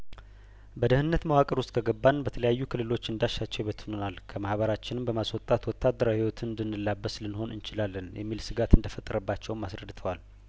በደህንነት መዋቅር ውስጥ ከገባን በተለያዩ ክልሎች እንዳሻቸው ይበትኑናል ከማህበራችንም በማስወጣት ወታደራዊ ህይወትን እንድንላበስ ልንሆን እንችላለን የሚል ስጋት እንደፈጠረባቸውም አስረድተዋል